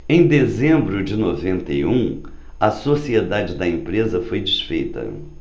em dezembro de noventa e um a sociedade da empresa foi desfeita